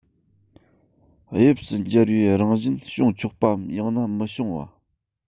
དབྱིངས སུ འབྱར བའི རང བཞིན བྱུང ཆོག པའམ ཡང ན མི བྱུང བ